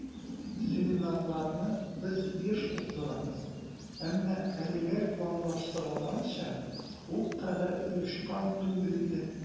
Семинарларны без еш уздырабыз, әмма әлегә планлаштырылганча ул кадәр оешкан түгел иде.